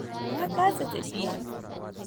Na kasa tafiya.